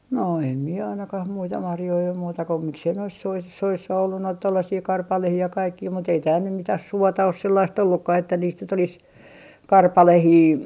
no en minä ainakaan muita marjoja ole muuta kuin miksi ei noissa - soissa ollut noita tuollaisia karpaloita ja kaikkia mutta ei täällä nyt mitään suota ole sellaista ollutkaan että niistä nyt olisi karpaloita